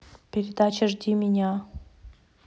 передача жди меня